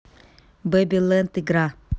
бэби лэнд игра